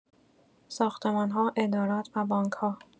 ساختمان‌ها، ادارات و بانک‌ها